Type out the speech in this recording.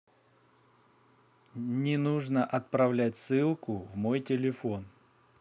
не нужно отправлять ссылку в мой телефон